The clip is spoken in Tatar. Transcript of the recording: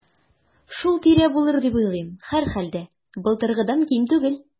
Шул тирә булыр дип уйлыйм, һәрхәлдә, былтыргыдан ким түгел.